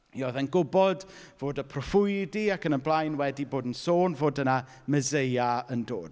Mi oedd e'n gwybod fod y proffwydi ac yn y blaen wedi bod yn sôn fod yna Meseia yn dod.